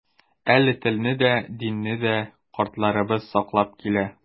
Әле телне дә, динне дә картларыбыз саклап килә.